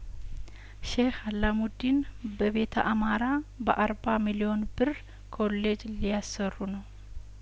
ሼክ አላሙዲን በቤተ አማራ በአርባ ሚሊዮን ብር ኮሌጅ ሊያሰሩ ነው